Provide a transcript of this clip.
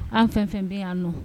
An fɛn fɛn bɛ yan an nɔ